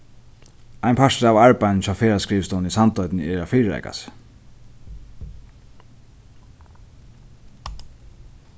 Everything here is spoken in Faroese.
ein partur av arbeiðinum hjá ferðaskrivstovuni í sandoynni er at fyrireika seg